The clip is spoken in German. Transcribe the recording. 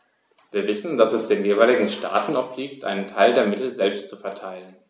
Wir wissen, dass es den jeweiligen Staaten obliegt, einen Teil der Mittel selbst zu verteilen.